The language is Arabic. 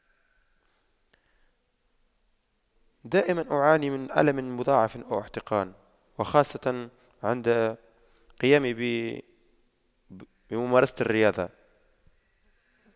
دائما أعاني من ألم مضاعف أو احتقان وخاصة عند قيامي بممارسة الرياضة